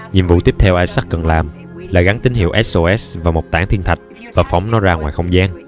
nhiệm vụ tiếp theo isaac cần làm là gắn tín hiệu sos vào một tảng thiên thạch và phóng nó ra ngoài không gian